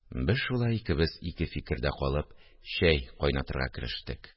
Без шулай икебез ике фикердә калып, чәй кайнатырга керештек